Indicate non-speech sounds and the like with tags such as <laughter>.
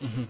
<hesitation> <hesitation>